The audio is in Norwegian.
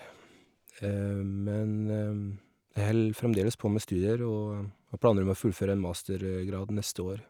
Men jeg held fremdeles på med studier, og har planer om å fullføre en mastergrad neste år.